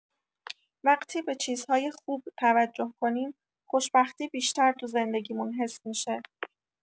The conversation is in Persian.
وقتی به چیزهای خوب توجه کنیم، خوشبختی بیشتر تو زندگی‌مون حس می‌شه.